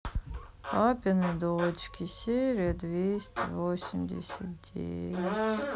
папины дочки серия двести восемьдесят девять